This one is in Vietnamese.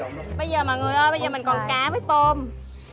bây giờ mọi người ơi bây giờ mình còn cá với tôm